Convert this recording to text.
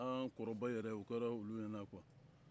an kɔrɔbaw yɛre o kɛra olu ɲɛna quoi